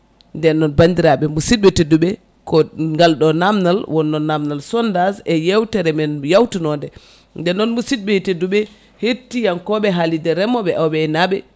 nden noon bandiraɓe musidɓe tedduɓe ko ngal ɗo namdal wonno namdal sondage e yewtere men yawtunode nden noon musibɓe tedduɓe hettiyankoɓe haalirde remoɓe e awoɓe e aynaɓe